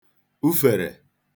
ufèrè